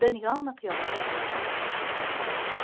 dunyo miqyosida ro'y bermoqda